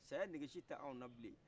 saya nɛgɛ si tɛ anw na bile